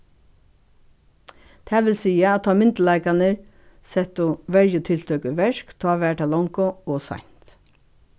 tað vil siga at tá myndugleikarnir settu verjutiltøk í verk tá var tað longu ov seint